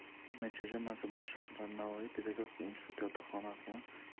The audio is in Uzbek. mchj mansabdor shaxslari navoiy pedagogika instituti yotoqxonasini